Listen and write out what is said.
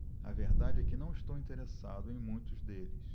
a verdade é que não estou interessado em muitos deles